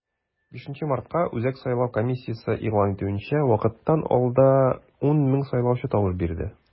5 мартка, үзәк сайлау комиссиясе игълан итүенчә, вакытыннан алда 10 мең сайлаучы тавыш бирде.